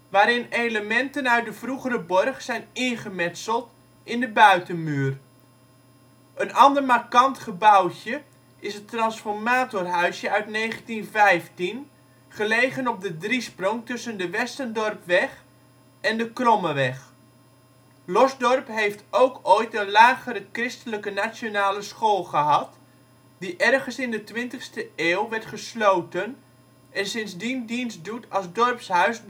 waarin elementen uit de vroegere borg zijn ingemetseld in de buitenmuur. Een ander markant gebouwtje is het transformatorhuisje uit 1915, gelegen op de driesprong tussen de Westendorpweg en de Krommeweg. Losdorp heeft ook ooit een lagere christelijke nationale school gehad, die ergens in de 20e eeuw werd gesloten en sindsdien dienstdoet als dorpshuis